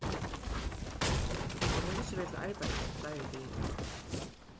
hon hevur ikki verið til arbeiðis í fleiri dagar